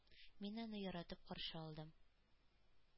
Мин аны яратып каршы алдым,